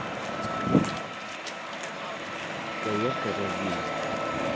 конечно разбились